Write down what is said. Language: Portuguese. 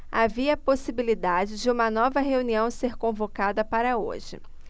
havia possibilidade de uma nova reunião ser convocada para hoje